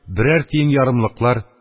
Берәр тиен ярымлыклар,